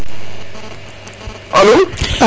alo